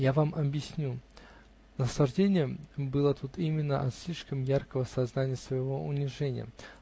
Я вам объясню: наслаждение было тут именно от слишком яркого сознания своего унижения